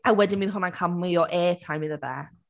a wedyn bydd hwnna’n cael mwy o airtime iddo fe.